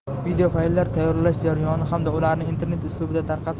videofayllar tayyorlash jarayoni hamda ularni internet uslubida